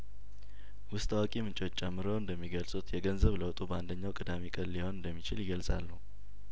ውስጥ አዋቂ ምንጮች ጨምረው እንደሚገልጹት የገንዘብ ለውጡ በአንደኛው ቅዳሜ ቀን ሊሆን እንደሚችል ይገልጻሉ